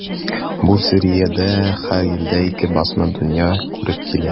Бу сериядә һәр елда ике басма дөнья күреп килә.